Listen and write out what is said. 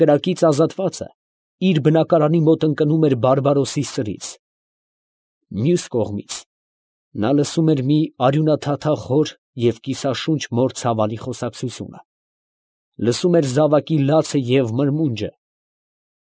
Կրակից ազատվածը իր բնակարանի մոտ ընկնում էր բարբարոսի սրից, ֊ մյուս կողմից, նա լսում էր մի արյունաթաթախ հոր և կիսաշունչ մոր ցավալի խոսակցությունը, լսում էր զավակի լացը և մրմունջը,